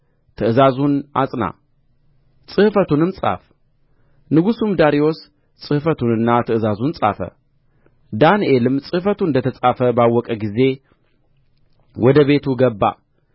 ትእዛዙን አጽና ጽሕፈቱንም ጻፍ ንጉሡም ዳርዮስ ጽሕፈቱንና ትእዛዙን ጻፈ ዳንኤልም ጽሕፈቱ እንደ ተጻፈ ባወቀ ጊዜ ወደ ቤቱ ገባ